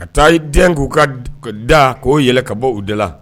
Ka taa den k'u ka da k'o yɛlɛ ka bɔ u de la